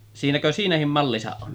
siinäkö siinäkin mallissa on